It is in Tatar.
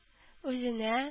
Үзенә